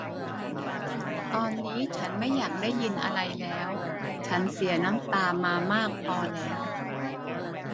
ตอนนี้ฉันไม่อยากได้ยินอะไรแล้วฉันเสียน้ำตามามากพอแล้ว